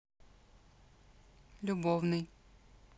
любовный